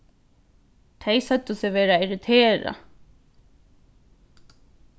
tey søgdu seg vera irriterað